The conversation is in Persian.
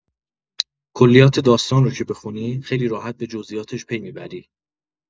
کلیات داستان رو که بخونی، خیلی راحت به جزئیاتش پی می‌بری.